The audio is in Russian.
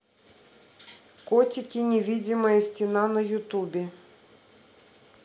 котики невидимая стена на ютубе